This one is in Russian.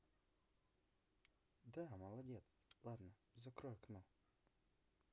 да молодец ладно закрой окно